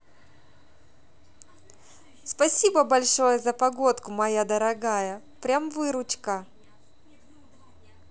спасибо большое за погодку моя дорогая прям выручка